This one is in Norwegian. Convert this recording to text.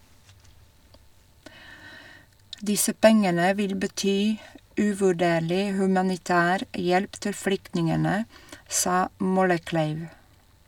Disse pengene vil bety uvurderlig humanitær hjelp til flyktningene, sa Mollekleiv.